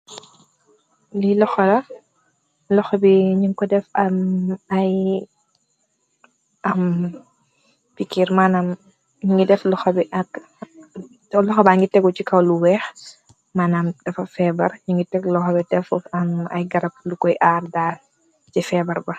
Li loxa la loxo bi ñi ko def aam pikir manam loxa bi ngi tegu ci kaw lu weex manam dafa feebar ñi ngi teg loxa bi def a ay garab lukoy aar daal ci feebar ba.